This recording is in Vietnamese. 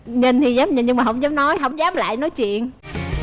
nhìn thì dám nhìn nhưng mà hổng dám nói hổng dám lại nói chuyện